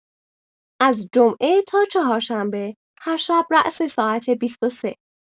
از جمعه تا چهارشنبه هر شب راس ساعت ۲۳